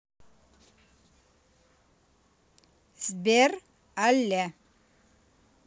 сбер алле